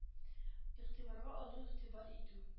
Игътибарга алу игътибар итү